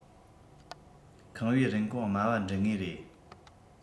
ཁང པའི རིན གོང དམའ བ འདྲུད ངེས རེད